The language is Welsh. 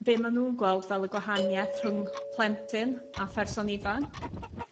be maen nhw'n gweld fel y gwahaniaeth rhwng plentyn a pherson ifanc.